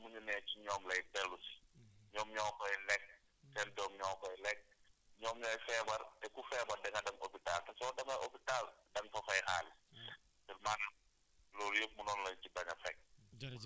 di fa def gannaaw kër lañ fa def yëpp xamuñu ne si ñoom lay dellu si ñoom ñoo koy lekk seen doom ñoo koy lekk ñoom ñooy feebar te ku feebar di nga dem hopital te soo demee hopital da nga fa fay xaalis